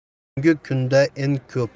bugungi kunda eng ko'p